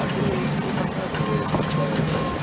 Андреев не показывает из-за этого